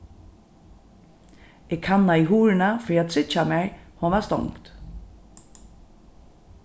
eg kannaði hurðina fyri at tryggja mær hon var stongd